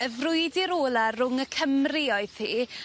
Y frwydyr ola rwng y Cymru oedd hi.